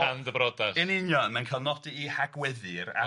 tan dy brodas, yn union, mae'n cael nodi i hagweddu i'r